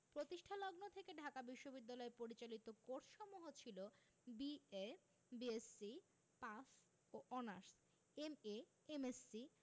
প্রতিষ্ঠালগ্ন থেকে ঢাকা বিশ্ববিদ্যালয় পরিচালিত কোর্সসমূহ ছিল বি.এ বি.এসসি পাস ও অনার্স এম.এ এম.এসসি